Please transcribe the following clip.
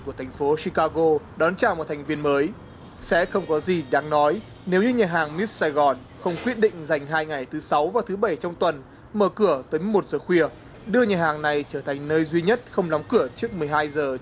của thành phố chic ca gô đón chào một thành viên mới sẽ không có gì đáng nói nếu như nhà hàng mít sài gòn không quyết định dành hai ngày thứ sáu và thứ bảy trong tuần mở cửa tới một sự việc đưa nhà hàng này trở thành nơi duy nhất không đóng cửa trước mười hai giờ